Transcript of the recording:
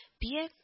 Бия